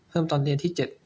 เพิ่มตอนเรียนที่เจ็ด